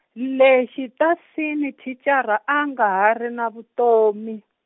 le xitasini thicara a nga ha ri na vutomi.